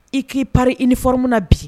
I k'i pari i ni f munna na bi